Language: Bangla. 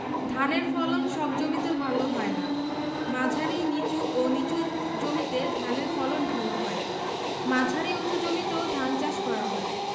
ধানের ফলন সব জমিতে ভালো হয় না মাঝারি নিচু ও নিচু জমিতে ধানের ফলন ভালো হয় মাঝারি উচু জমিতেও ধান চাষ করা হয়